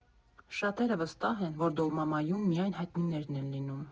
Շատերը վստահ են, որ «Դոլմամայում» միայն հայտնիներն են լինում։